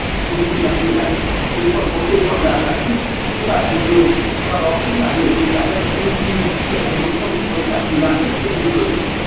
chính vì đặc điểm này chúng còn có tên gọi là gà cúp nghĩa là cụt đuôi và đó cũng là điều khiến gà manx rumpy trở thành một trong những giống gà kỳ lạ nhất trên thế giới